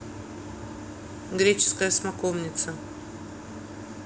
греческая смоковница